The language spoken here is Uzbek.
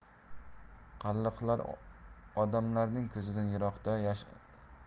qalliqlar odamlarning ko'zidan yiroqda